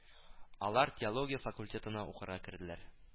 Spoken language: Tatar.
Алар теология факультетына укырга керделәр